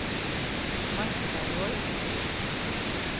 marka orð